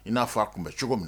I n'a fɔ a tun bɛ cogo min